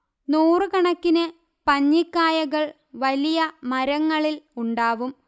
നൂറുകണക്കിന് പഞ്ഞിക്കായകൾ വലിയ മരങ്ങളിൽ ഉണ്ടാവും